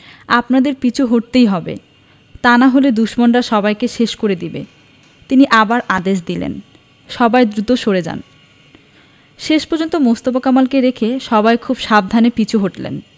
আপনাদের পিছু হটতেই হবে তা না হলে দুশমনরা সবাইকে শেষ করে দেবে তিনি আবার আদেশ দিলেন সবাই দ্রুত সরে যান শেষ পর্যন্ত মোস্তফা কামালকে রেখে সবাই খুব সাবধানে পিছু হটলেন